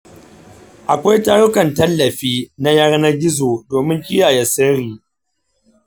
akwai tarukan tallafi na yanar gizo domin kiyaye sirri.